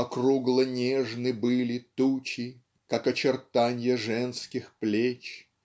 Округло нежны были тучи, Как очертанья женских плеч.